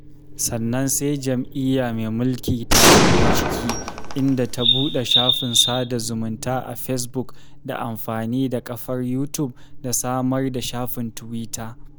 Sannan sai jam'iyya mai mulki ta shigo ciki, inda ta buɗe shafin sada zumunta a fesbuk da amfani da kafar Youtube da samar da shafin tiwita.